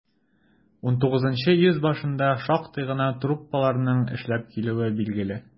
XIX йөз башында шактый гына труппаларның эшләп килүе билгеле.